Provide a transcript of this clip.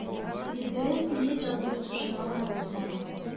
Билгеле, мине тәкъдим итү шома гына узмаган.